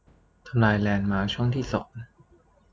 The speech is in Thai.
ทำลายแลนด์มาร์คช่องที่สอง